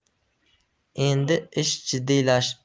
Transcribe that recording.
endi ish jiddiylashibdi